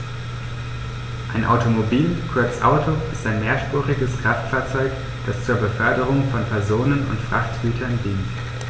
Ein Automobil, kurz Auto, ist ein mehrspuriges Kraftfahrzeug, das zur Beförderung von Personen und Frachtgütern dient.